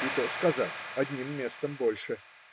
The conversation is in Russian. И то сказать: одним местом больше.